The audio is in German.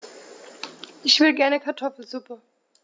Ich will gerne Kartoffelsuppe.